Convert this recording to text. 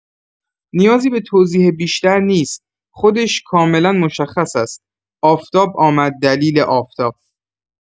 نیازی به توضیح بیشتر نیست، خودش کاملا مشخص است، آفتاب آمد دلیل آفتاب!